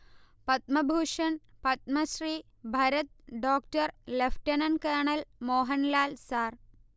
Padma Bhushan Padma Shri Bharat doctor lieutenant colonel Mohanlal sir